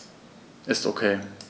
Ist OK.